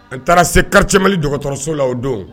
An taara se quartier Mali docteur so la o don